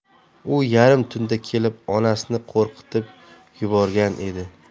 u yarim tunda kelib onasini qo'rqitib yuborgan edi